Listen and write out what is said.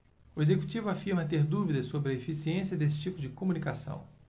o executivo afirma ter dúvidas sobre a eficiência desse tipo de comunicação